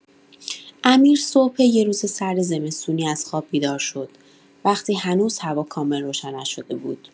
امیر صبح یه روز سرد زمستونی از خواب بیدار شد، وقتی هنوز هوا کامل روشن نشده بود.